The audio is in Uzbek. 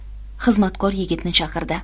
xizmatkor yigitni chaqirdi